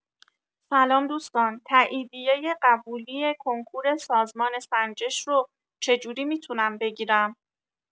سلام دوستان، تاییدیه قبولی کنکور سازمان سنجش رو چجوری می‌تونم بگیرم؟